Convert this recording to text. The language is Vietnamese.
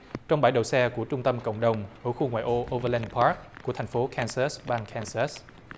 trong bãi đậu xe của trung tâm cộng đồng ở khu ngoại ô ô vơ len pát của thành phố ken sớt bang ken sớt